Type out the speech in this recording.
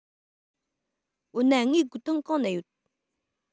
འོ ན ངའི གོས ཐུང གང ན ཡོད